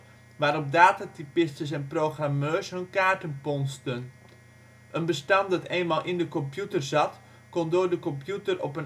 waarop datatypistes en programmeurs hun kaarten ponsten. Een bestand dat eenmaal in de computer zat kon door de computer op